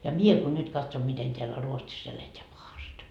ja minä kun nyt katson miten täällä Ruotsissa eletään pahasti